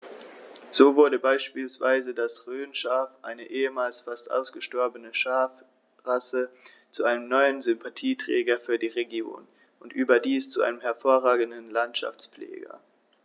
So wurde beispielsweise das Rhönschaf, eine ehemals fast ausgestorbene Schafrasse, zu einem neuen Sympathieträger für die Region – und überdies zu einem hervorragenden Landschaftspfleger.